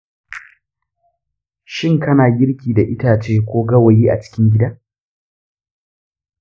shin kana girki da itace ko gawayi a cikin gida?